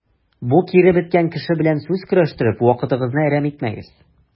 Бу киребеткән кеше белән сүз көрәштереп вакытыгызны әрәм итмәгез.